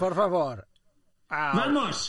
Por favor, a-Vamos!